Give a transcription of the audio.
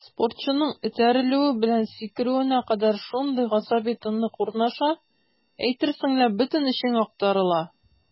Спортчының этәрелүе белән сикерүенә кадәр шундый гасаби тынлык урнаша, әйтерсең лә бөтен эчең актарыла.